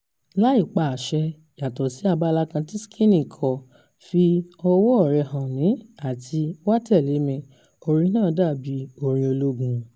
Láì pa àṣẹ (yàtọ̀ sí abala kan tí Skinny kọ "fi ọwọ́ọ̀ rẹ hàn mí" àti "wá tẹ̀lé mi", orin náà dàbí orin ológun.